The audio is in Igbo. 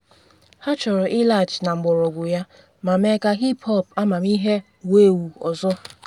Ha chọrọ ịlaghachi na mgbọrọgwụ ya ma mee ka hip hop amamịghe wuo ewu ọzọ.